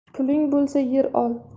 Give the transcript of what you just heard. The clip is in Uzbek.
puling bo'lsa yer ol